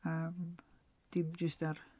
Yym dim jyst ar...